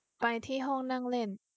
ไปที่ห้องนั่งเล่น